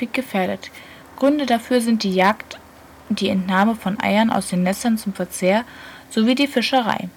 gefährdet. Gründe dafür sind die Jagd, die Entnahme von Eiern aus den Nestern zum Verzehr sowie die Fischerei